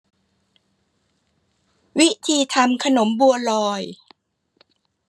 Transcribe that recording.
วิธีทำขนมบัวลอย